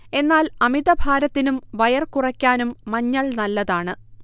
എന്നാൽ അമിതഭാരത്തിനും വയർ കുറക്കാനും മഞ്ഞൾ നല്ലതാണ്